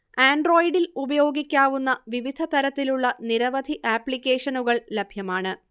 ആൻഡ്രോയ്ഡിൽ ഉപയോഗിക്കാവുന്ന വിവിധതരത്തിലുള്ള നിരവധി ആപ്ലിക്കേഷനുകൾ ലഭ്യമാണ്